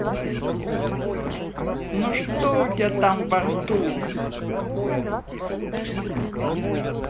ну что у тебя там что во рту